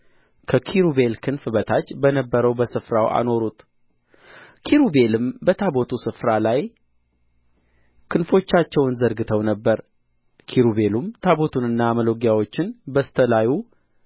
ከኪሩቤል ክንፍ በታች በነበረው በስፍራው አኖሩት ኪሩቤልም በታቦቱ ስፍራ ላይ ክንፎቻቸውን ዘርግተው ነበር ኪሩቤልም ታቦቱንና መሎጊያዎቹን በስተ ላዩ